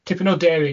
Tipyn o deryn